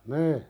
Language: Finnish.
niin